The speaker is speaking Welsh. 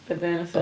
Be 'di'r un nesa?